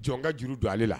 Jɔn ka juru don ale la